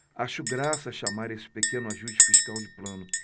acho graça chamar esse pequeno ajuste fiscal de plano